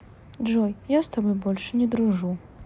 джой я с тобой больше не дружу